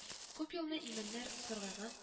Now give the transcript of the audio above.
Күп елны имәннәр саргайган